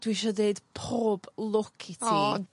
dwi isio deud pob lwc i ti. O,